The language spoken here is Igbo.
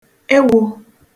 ewō